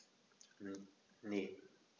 Ne.